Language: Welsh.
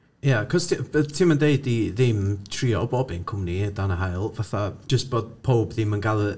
Ie, ti ddim yn deud i ddim trio bob un cwmni dan yr haul, fatha, jyst bod pawb ddim yn gael y...